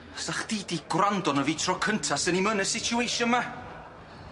Sa chdi 'di gwrando arno fi tro cynta swn i'm yn y situation 'ma.